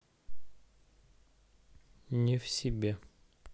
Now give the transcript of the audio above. не в себе